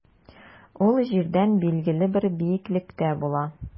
Ул җирдән билгеле бер биеклектә була.